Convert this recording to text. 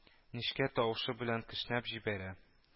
Нечкә тавышы белән кешнәп җибәрә